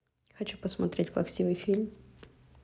хочу посмотреть плаксивый фильм